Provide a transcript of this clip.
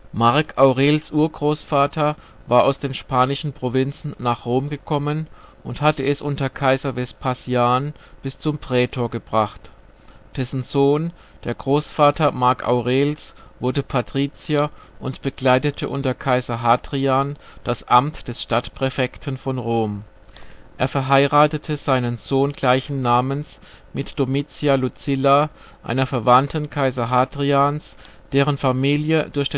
Marc Aurels Urgroßvater war aus den spanischen Provinzen nach Rom gekommen und hatte es unter Kaiser Vespasian bis zum Praetor gebracht. Dessen Sohn, der Großvater Marc Aurels, wurde Patrizier und bekleidete unter Kaiser Hadrian das Amt des Stadtpräfekten von Rom. Er verheiratete seinen Sohn gleichen Namens mit Domitia Lucilla, einer Verwandten Kaiser Hadrians, deren Familie durch